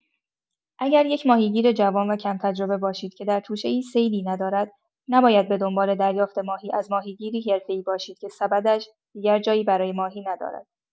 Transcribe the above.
اگر یک ماهیگیر جوان و کم‌تجربه باشید که در توشه‌اش صیدی ندارد، نباید به دنبال دریافت ماهی از ماهی‌گیری حرفه‌ای باشید که سبدش دیگر جایی برای ماهی ندارد!